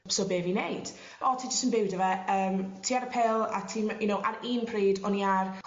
So be' fi' neud? O ti jyst yn byw 'dy fe yym ti ar y pil a ti'm you know ar un pryd o'n i ar